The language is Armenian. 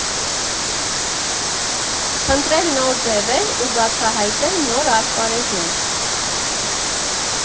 Փնտրել նոր ձևեր ու բացահայտել նոր ասպարեզներ։